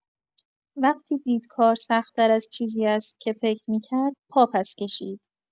وقتی دید کار سخت‌تر از چیزی است که فکر می‌کرد، پا پس کشید.